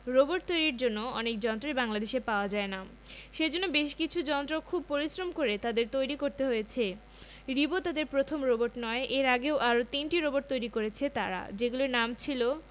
robot তৈরির জন্য অনেক যন্ত্রই বাংলাদেশে পাওয়া যায় না সেজন্য বেশ কিছু যন্ত্র খুব পরিশ্রম করে তাদের তৈরি করতে হয়েছে রিবো তাদের প্রথম রোবট নয় এর আগে আরও তিনটি রোবট তৈরি করেছে তারা যেগুলোর নাম ছিল